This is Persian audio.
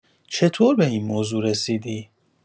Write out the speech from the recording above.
چطور به این موضوع رسیدی؟